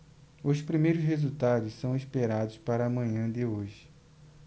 os primeiros resultados são esperados para a manhã de hoje